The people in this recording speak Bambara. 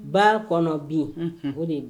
Baara kɔnɔ bin o de